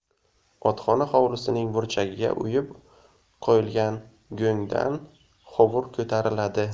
otxona hovlisining burchagiga uyib qo'yilgan go'ngdan hovur ko'tariladi